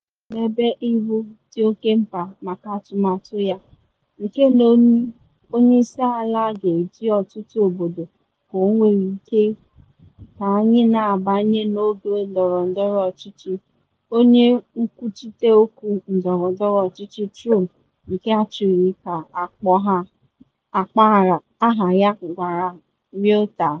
“Njikwa Ụlọ Ọmebe Iwu dị oke mkpa maka atụmatụ ya, nke na onye isi ala ga-eje ọtụtụ obodo ka ọ nwere ike, ka anyị na-abanye n’oge ndọrọndọrọ ọchịchị” onye nkwuchite okwu ndọrọndọrọ ọchịchị Trump nke achọghị ka akpọ aha ya gwara Reuters.